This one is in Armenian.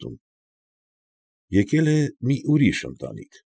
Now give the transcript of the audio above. Տուն։ Եկել է մի ուրիշ ընտանիք։